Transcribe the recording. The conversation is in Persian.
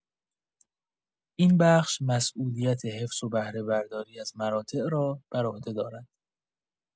این بخش مسئولیت حفظ و بهره‌برداری از مراتع را بر عهده دارد.